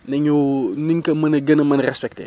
nañu nuñ ko mënee gën a mën a respecté